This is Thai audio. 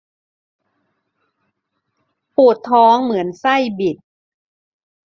ปวดท้องเหมือนไส้บิด